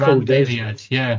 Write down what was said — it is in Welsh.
...rhanddeiliad ie.